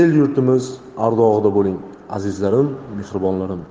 yurtimiz ardog'ida bo'ling azizlarim mehribonlarim